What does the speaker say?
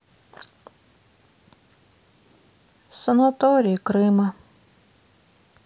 санатории крыма